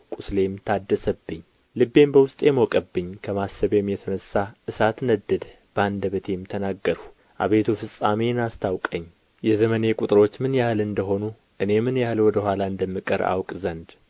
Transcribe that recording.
ቍስሌም ታደሰብኝ ልቤም በውስጤ ሞቀብኝ ከማሰቤም የተነሣ እሳት ነደደ በአንደበቴም ተናገርሁ አቤቱ ፍጻሜዬን አስታውቀኝ የዘመኔ ቍጥሮች ምን ያህል እንደ ሆኑ እኔ ምን ያህል ወደ ኋላ እንደምቀር አውቅ ዘንድ